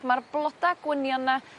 ma'r bloda gwynion 'na